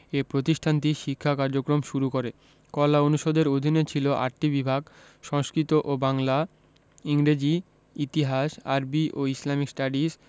এ প্রতিষ্ঠানটি শিক্ষা কার্যক্রম শুরু করে কলা অনুষদের অধীনে ছিল ৮টি বিভাগ সংস্কৃত ও বাংলা ইংরেজি ইতিহাস আরবি ও ইসলামিক স্টাডিজ